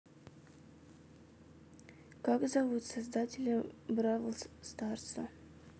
как зовут создателя бравл старса